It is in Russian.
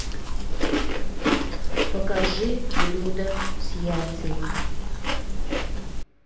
покажи блюдо с яйцами